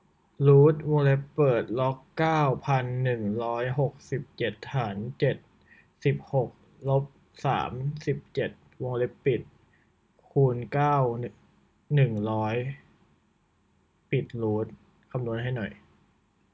รูทวงเล็บเปิดล็อกเก้าพันหนึ่งร้อยหกสิบเจ็ดฐานเจ็ดสิบหกลบสามสิบเจ็ดวงเล็บปิดคูณเก้าหนึ่งร้อยปิดรูทคำนวณให้หน่อย